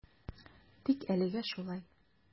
Тик әлегә шулай.